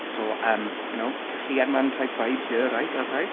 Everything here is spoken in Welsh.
so yym, you know? Tylluan Wen type vibes here right? Ok?